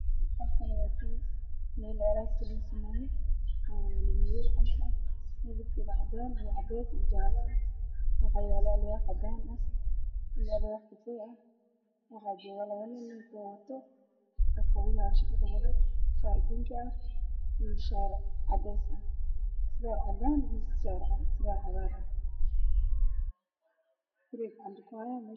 Waxaa ii muuqda labo nin oo makaanik ah oo sameynaayo alwaax iyo biro